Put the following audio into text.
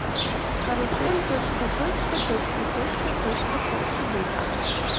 карусель точка точка точка точка точка точка дочка